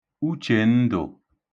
Uchèndụ̀